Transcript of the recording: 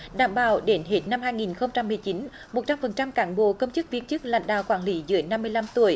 đảm bảo đến hết năm hai nghìn không trăm mười chín một trăm phần trăm cán bộ công chức viên chức lãnh đạo quản lý dưới năm mươi lăm tuổi